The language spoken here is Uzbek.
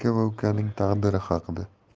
va ukaning taqdiri haqida